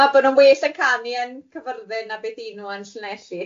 A bod nw'n well yn canu yn Cyffyrddin na beth y'n nhw yn Llanelli.